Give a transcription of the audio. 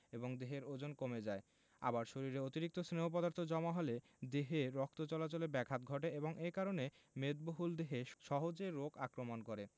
এবং দেহের ওজন কমে যায় আবার শরীরে অতিরিক্ত স্নেহ পদার্থ জমা হলে দেহে রক্ত চলাচলে ব্যাঘাত ঘটে এবং এ কারণে মেদবহুল দেহে সহজে রোগ আক্রমণ করে